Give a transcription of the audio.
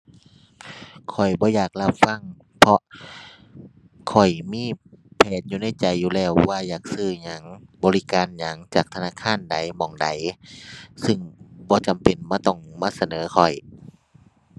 ข้อยบ่อยากรับฟัง เพราะข้อยมีแผนอยู่ในใจอยู่แล้วว่าอยากซื้อหยัง บริการหยัง จากธนาคารใด หม้องใด ซึ่งบ่จำเป็นมาต้อง มาเสนอข้อย